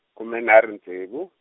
kume nharhu ntsevu.